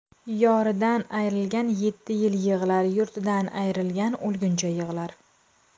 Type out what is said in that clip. yoridan ayrilgan yetti yil yig'lar yurtidan ayrilgan o'lguncha yig'lar